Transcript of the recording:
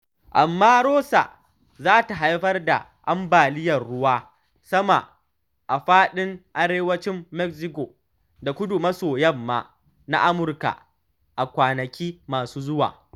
Amma, Rosa za ta haifar da ambaliyar ruwan sama a faɗin arewacin Mexico da kudu-maso-yamma na Amurka a kwanaki masu zuwa.